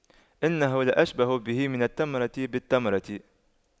إنه لأشبه به من التمرة بالتمرة